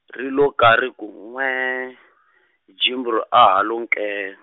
ri lo ka ri ku nwee , Jimbro a ha lo nkee.